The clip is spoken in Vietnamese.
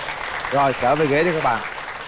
rồi trở về ghế đi các bạn